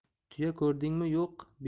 tuya ko'rdingmi yo'q